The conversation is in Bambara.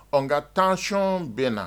Nka nka taacon bɛ na